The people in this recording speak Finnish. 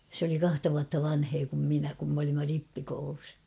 se oli kahta vuotta vanhempi kuin minä kun me olimme rippikoulussa